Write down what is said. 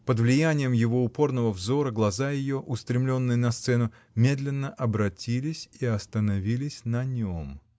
под влиянием его упорного взора глаза ее, устремленные на сцену, медленно обратились и остановились на нем.